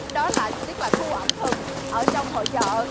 đó là tức là khu ẩm thực ở trong hội chợ